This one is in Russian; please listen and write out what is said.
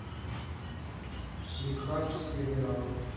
лихач сериал